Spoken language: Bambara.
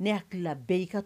Ne' hakilila bɛɛ y'i ka